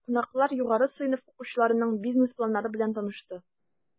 Кунаклар югары сыйныф укучыларының бизнес планнары белән танышты.